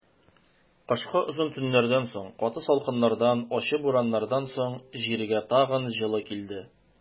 Кышкы озын төннәрдән соң, каты салкыннардан, ачы бураннардан соң җиргә тагын җылы килде.